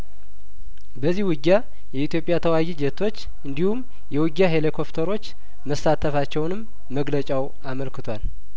በዚህ ውጊያ የኢትዮጵያ ተዋጊ ጄቶች እንዲሁም የውጊያ ሄሊኮፍተሮች መሳተፋቸውንም መግለጫው አመልክቷል